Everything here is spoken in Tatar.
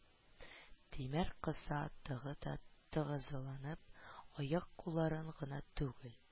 Тимер кыса тагы да тыгызланып, аяк-кулларын гына түгел,